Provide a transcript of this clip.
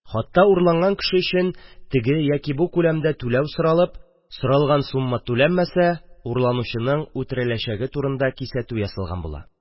Хатта урланган кеше өчен теге яки бу күләмдә түләү соралып, соралган сумма түләнмәсә, урланучының үтереләчәге турында кисәтү ясалган була